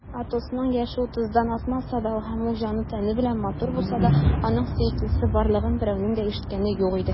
Атосның яше утыздан артмаса да һәм ул җаны-тәне белән матур булса да, аның сөеклесе барлыгын берәүнең дә ишеткәне юк иде.